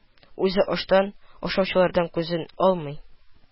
Үзе аштан, ашаучылардан күзен ала алмый